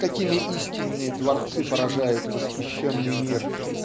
какими истинные творцы поражают восхищенный мир.